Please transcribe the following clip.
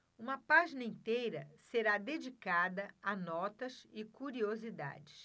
uma página inteira será dedicada a notas e curiosidades